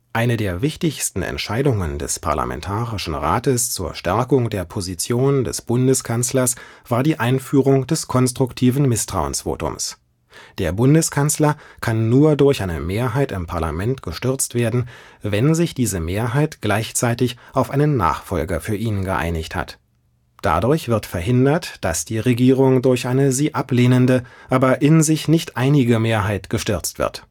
Eine der wichtigsten Entscheidungen des Parlamentarischen Rates zur Stärkung der Position des Bundeskanzlers war die Einführung des konstruktiven Misstrauensvotums. Der Bundeskanzler kann nur durch eine Mehrheit im Parlament gestürzt werden, wenn sich diese Mehrheit gleichzeitig auf einen Nachfolger für ihn geeinigt hat. Dadurch wird verhindert, dass die Regierung durch eine sie ablehnende, aber in sich nicht einige Mehrheit gestürzt wird